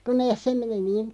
kun ne se meni niin